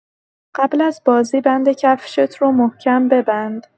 قبل از بازی بند کفشت رو محکم ببند.